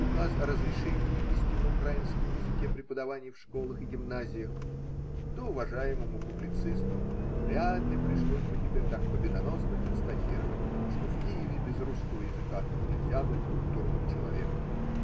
указ о разрешении вести на украинском языке преподавание в школах и гимназиях, то уважаемому публицисту вряд ли пришлось бы теперь так победоносно констатировать, что в Киеве без русского языка нельзя быть культурным человеком.